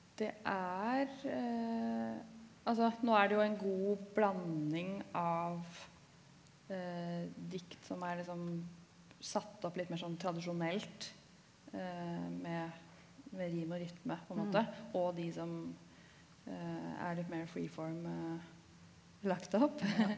det er altså nå er det jo en god blanding av dikt som er liksom satt opp litt mer sånn tradisjonelt med med rim og rytme på en måte og de som er litt mer lagt opp .